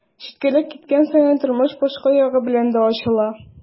Читкәрәк киткән саен тормыш башка ягы белән дә ачыла.